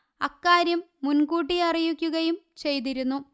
അക്കാര്യം മുന്കൂട്ടി അറിയിക്കുകയും ചെയ്തിരുന്നു